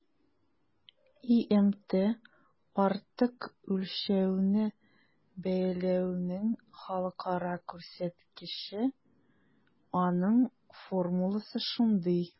ИМТ - артык үлчәүне бәяләүнең халыкара күрсәткече, аның формуласы шундый: